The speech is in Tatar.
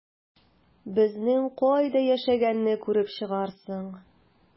Безнең кайда яшәгәнне күреп чыгарсың...